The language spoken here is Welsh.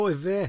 Oedd e?